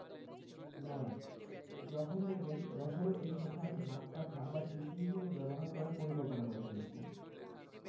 ৯. যখন দেখবেন রসআলোর এই সংখ্যা আপনি হাতপাখা বা টিস্যু হিসেবে ব্যবহার করার পরিকল্পনা করে ফেলেছেন